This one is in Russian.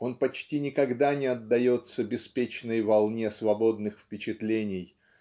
он почти никогда не отдается беспечной волне свободных впечатлений